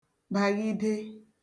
bàghide